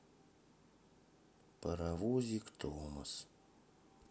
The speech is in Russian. паровозик томас